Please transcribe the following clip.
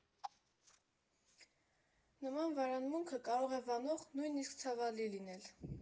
Նման վարանմունքը կարող է վանող, նույնիսկ ցավալի լինել։